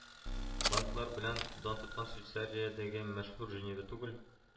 Банклары белән дан тоткан Швейцариядәге мәшһүр Женева түгел